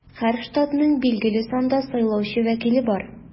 Һәр штатның билгеле санда сайлаучы вәкиле бар.